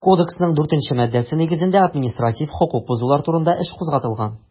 Кодексның 4 нче маддәсе нигезендә административ хокук бозулар турында эш кузгатылган.